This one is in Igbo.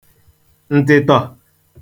ǹtị̀tọ̀